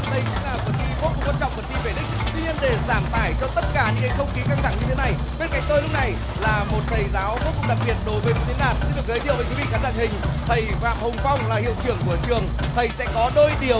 đây chính là phần thi vô cùng quan trọng phần thi về đích tuy nhiên để giảm tải cho tất cả những cái không khí căng thẳng như thế này bên cạnh tôi lúc này là một thầy giáo vô cùng đặc biệt đối với tiến đạt xin được giới thiệu với quý vị khán giả truyền hình thầy phạm hồng phong là hiệu trưởng của trường thầy sẽ có đôi điều